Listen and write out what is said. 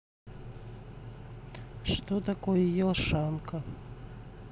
что такое елшанка